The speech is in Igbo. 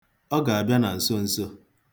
Ọ ga-abịa na nsonso.